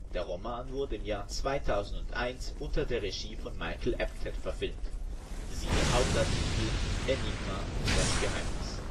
Der Roman wurde im Jahr 2001 unter der Regie von Michael Apted verfilmt, siehe Hauptartikel: Enigma – Das Geheimnis